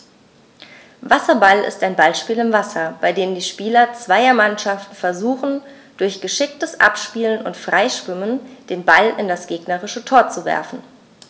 Wasserball ist ein Ballspiel im Wasser, bei dem die Spieler zweier Mannschaften versuchen, durch geschicktes Abspielen und Freischwimmen den Ball in das gegnerische Tor zu werfen.